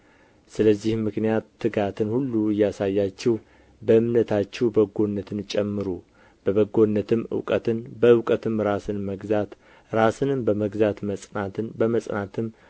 ስለዚህም ምክንያት ትጋትን ሁሉ እያሳያችሁ በእምነታችሁ በጎነትን ጨምሩ በበጎነትም እውቀትን በእውቀትም ራስን መግዛት ራስንም በመግዛት መጽናትን በመጽናትም